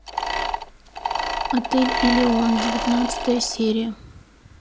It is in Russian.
отель элеон девятнадцатая серия